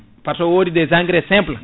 par ce woodi des engrains simples